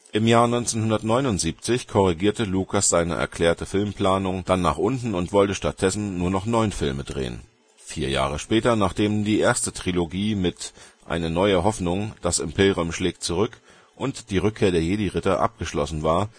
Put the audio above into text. Jahr 1979 korrigierte Lucas seine erklärte Filmplanung dann nach unten und wollte stattdessen nur noch neun Filme drehen. Vier Jahre später, nachdem die erste Trilogie mit Eine neue Hoffnung, Das Imperium schlägt zurück und Die Rückkehr der Jedi-Ritter abgeschlossen war